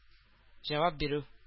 Җавап бирү